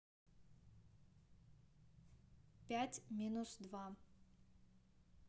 пять минус два